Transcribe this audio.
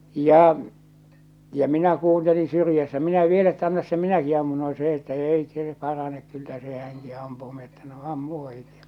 ja ja minä kuuntelin syrjässä minä vielä että anna se minäkin ammun no se että ei se parane kyllä se hänkin ampuu minä että no ammu ohitse ja